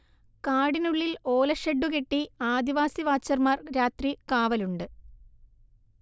കാടിനുള്ളിൽ ഓലഷെഡ്ഡുകെട്ടി ആദിവാസി വാച്ചർമാർ രാത്രി കാവലുണ്ട്